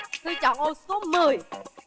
thư chọn ô số mười